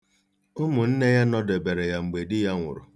Ụmụnne ya nọdebere ya mgbe di ya nwụrụ.